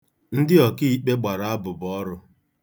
Ndị ọkiikpe gbara abụbọ ọrụ.